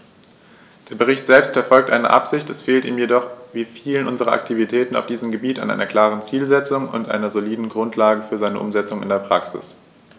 Der Bericht selbst verfolgt eine gute Absicht, es fehlt ihm jedoch wie vielen unserer Aktivitäten auf diesem Gebiet an einer klaren Zielsetzung und einer soliden Grundlage für seine Umsetzung in die Praxis.